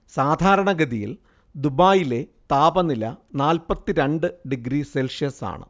സാധാരണഗതിയിൽ ദുബായിലെ താപനില നാല്പ്പത്തിരണ്ട് ഡിഗ്രി സെൽഷ്യസാണ്